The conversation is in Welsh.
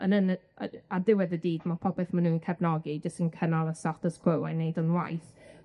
Yn yn y a- ar diwedd y dydd, ma' popeth ma' nw'n cefnogi jyst yn cynnal y status quo a wneud o'n waith.